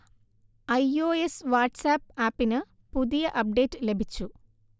I O S WhatsApp ആപ്പിന് പുതിയ update ലഭിച്ചു